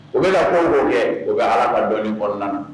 U bɛ ka fɛn fɛn kɛ , o bɛ Ala ka dɔnnin kɔnɔna na